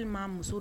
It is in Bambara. Maa muso